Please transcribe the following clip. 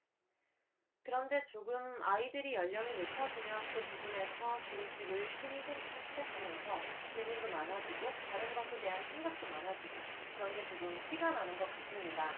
그런데 조금 아이들이 연령이 높아지면 그 부분에서 조금씩 의심이 생기기 시작하면서 질문도 많아지고 다른 것에 대한 생각도 많아지고 그런 게 조금 티가 나는 것 같습니다